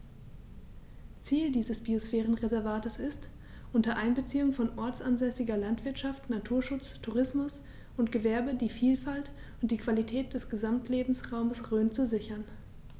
Ziel dieses Biosphärenreservates ist, unter Einbeziehung von ortsansässiger Landwirtschaft, Naturschutz, Tourismus und Gewerbe die Vielfalt und die Qualität des Gesamtlebensraumes Rhön zu sichern.